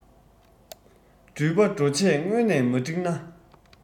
འགྲུལ པས འགྲོ ཆས སྔོ ནས མ བསྒྲིགས ན